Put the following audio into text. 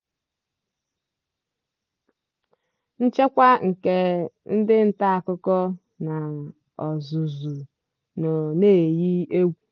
Nchekwa nke ndị nta akụkọ, n'ozuzu, nọ n'eyi egwu.